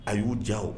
A y'u diya